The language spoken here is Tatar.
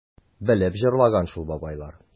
Белеп җырлаган шул бабайлар...